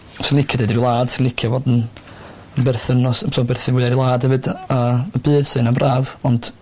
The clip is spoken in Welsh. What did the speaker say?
Swn licio deud y wlad sa licio fod yn berthynas yym so yn berthyn mwya i'r wlad efyd a a y byd 'sa ynna'n braf ont